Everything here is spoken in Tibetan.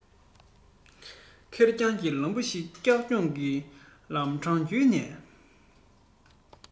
ཁེར རྐྱང གི མི བུ ཞིག ཀྱག ཀྱོག གི ལམ འཕྲང རྒྱུད ནས